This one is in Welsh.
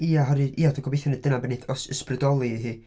Ia oherwydd... ia dwi'n gobeithio dyna be wneith ys- ysbrydoli hi.